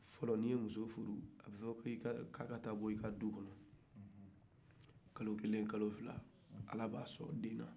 fɔlɔ n'i ye muso furu a bɛ fɔ k'a ka taa bɔ i ka tu kɔnɔ kalo kelen kalo fila ala b'a sɔn den na